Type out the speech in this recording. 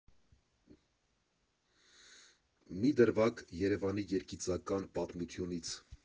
Մի դրվագ՝ Երևանի երգիծական պատմությունից։